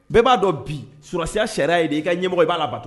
Bɛɛ b'a dɔn bi surakaya sariya ye de i ka ɲɛmɔgɔ b'a la bato